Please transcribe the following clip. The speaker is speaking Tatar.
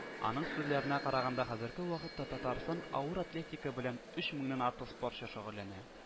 Аның сүзләренә караганда, хәзерге вакытта Татарстанда авыр атлетика белән өч меңнән артык спортчы шөгыльләнә